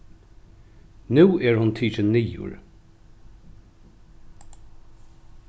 nú er hon tikin niður